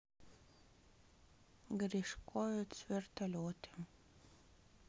гришковец вертолеты